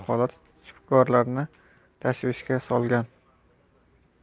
holat shifokorlarni tashvishga solgan